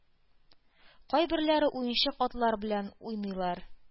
Кайберләре уенчык атлар белән уйныйлар.